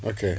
ok